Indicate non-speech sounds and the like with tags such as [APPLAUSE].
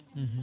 [HESITATION] [HESITATION]